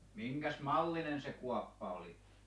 minkäs mallinen se kuoppa oli